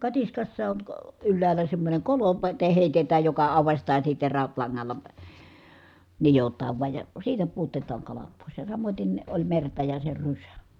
katiskassa on - ylhäällä semmoinen kolo -- heitetään joka aukaistaan sitten rautalangalla nidotaan vain ja siitä pudotetaan kalat pois ja samoiten oli merta ja se rysä